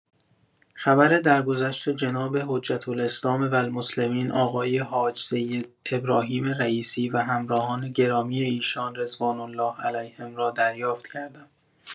خبر درگدشت جناب حجه الاسلام و المسلمین آقای حاج سید ابراهیم رئیسی و همراهان گرامی ایشان رضوان‌الله علیهم را دریافت کردم.